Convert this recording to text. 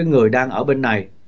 người đang ở bên này